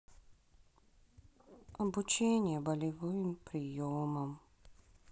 обучение болевым приемам